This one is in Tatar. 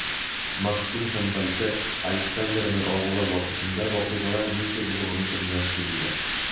Максим һәм Вальтер Александрны агулау вакытында вакыйгалар ничек булганы турында сөйлиләр.